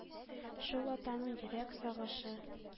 Шул атаның йөрәк сагышы.